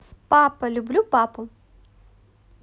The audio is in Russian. папа люблю папу